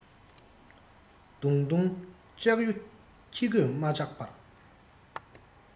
བརྡུངས བརྡུངས ལྕག ཡུ ཁྱི མགོས མ བཅག པར